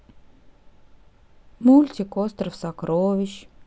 мультик остров сокровищ